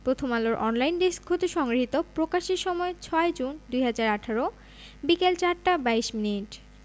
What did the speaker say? প্রথমআলোর online desk হতে সংগৃহীত প্রকাশের সময় ৬জুন ২০১৮ বিকেল ৪টা ২২ মিনিট